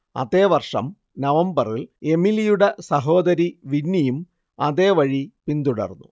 അതേ വർഷം നവംബറിൽ എമിലിയുടെ സഹോദരി വിന്നിയും അതേവഴി പിന്തുടർന്നു